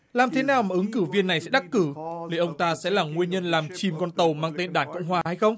làm thế nào mà ứng cử viên này sẽ đắc cử vì ông ta sẽ là nguyên nhân làm chìm con tàu mang tên đảng cộng hòa hay không